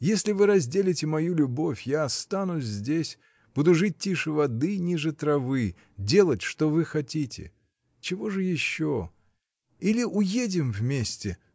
Если вы разделите мою любовь, я останусь здесь, буду жить тише воды, ниже травы. делать, что вы хотите. Чего же еще? Или. уедем вместе!